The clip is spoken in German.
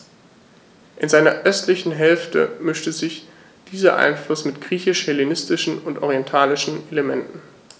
In seiner östlichen Hälfte mischte sich dieser Einfluss mit griechisch-hellenistischen und orientalischen Elementen.